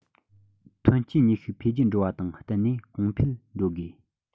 ཐོན སྐྱེད ནུས ཤུགས འཕེལ རྒྱས འགྲོ བ དང བསྟུན ནས གོང འཕེལ འགྲོ དགོས